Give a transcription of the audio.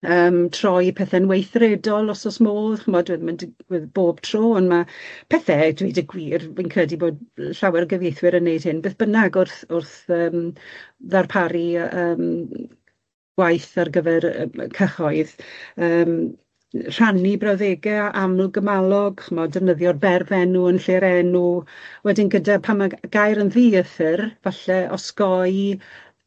Yym troi pethe'n weithredol os o's modd, ch'mod, dyw e ddim yn digwydd bob tro on' ma' pethe, dweud y gwir, fi'n credu bod llawer o gyfieithwyr yn wneud hyn beth bynnag wrth wrth yym ddarparu yy yym gwaith ar gyfer yy y cyhoedd yym rhannu brawddege a- aml gymalog, ch'mod defnyddio'r berfenw yn lle'r enw wedyn gyda pan ma' g- gair yn ddiythr, falle osgoi